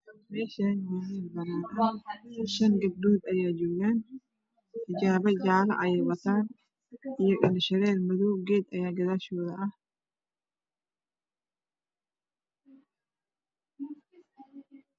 Meeshaan waa meel banaan ah shan gabdhood ayaa joogaan xijaabo jaalo ah ayay wataan iyo indho shareer madow geed ayaa gadaashooda ah.